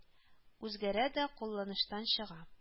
Үзгәрә һәм кулланыштан чыга